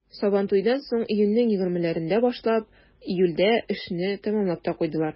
Сабантуйдан соң, июньнең 20-ләрендә башлап, июльдә эшне тәмамлап та куйдылар.